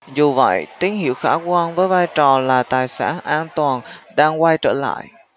dù vậy tín hiệu khả quan với vai trò là tài sản an toàn đang quay trở lại